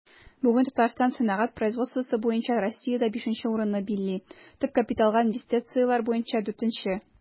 Бүген Татарстан сәнәгать производствосы буенча Россиядә 5 нче урынны били, төп капиталга инвестицияләр буенча 4 нче.